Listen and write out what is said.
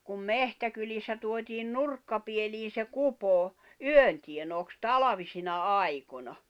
kuin metsäkylissä tuotiin nurkkapieliin se kupo yön tienooksi talvisina aikoina